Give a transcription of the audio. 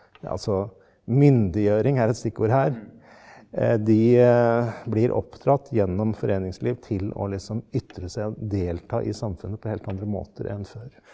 altså myndiggjøring er et stikkord her de blir oppdratt gjennom foreningsliv til å liksom ytre seg og delta i samfunnet på helt andre måter enn før.